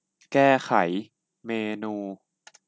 แก้ไขเมนู